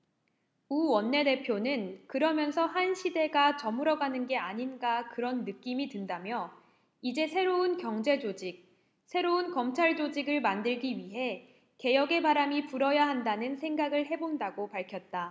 우 원내대표는 그러면서 한 시대가 저물어가는 게 아닌가 그런 느낌이 든다며 이제 새로운 경제조직 새로운 검찰조직을 만들기 위해 개혁의 바람이 불어야한다는 생각을 해 본다고 밝혔다